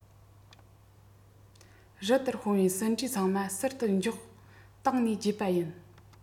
རི ལྟར སྤུངས བའི ཟིན བྲིས ཚང མ ཟུར དུ འཇོག སྟེང ནས བརྗེད པ ཡིན